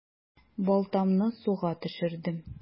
Балтамны суга төшердем.